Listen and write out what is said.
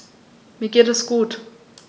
Mir geht es gut.